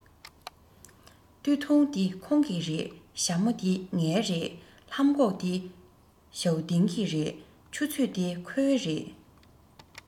སྟོད ཐུང འདི ཁོང གི རེད ཞྭ མོ འདི ངའི རེད ལྷམ གོག འདི ཞའོ ཏིང གི རེད ཆུ ཚོད འདི ཁོའི རེད